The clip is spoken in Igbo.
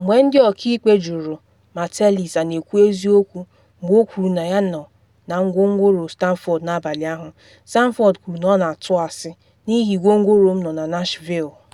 Mgbe ndị ọkaikpe jụrụ ma Tellis a na ekwu eziokwu mgbe o kwuru na ya nọ na gwongworo Sanford n’abalị ahụ, Sanford kwuru na ọ na atụ “asị, n’ihi gwongoro m nọ na Nashville.”